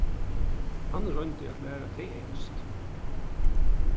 hann royndi at læra tey enskt